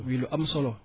muy lu am solo